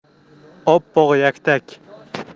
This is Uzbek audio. oppoq yaktak